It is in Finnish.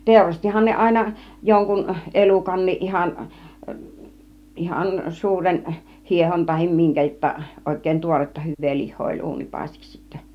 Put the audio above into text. teurastihan ne aina jonkun elukankin ihan ihan suuren hiehon tai minkä jotta oikein tuoretta hyvää lihaa oli uunipaistiksi sitten